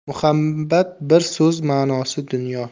muhabbat bir so'z ma'nosi dunyo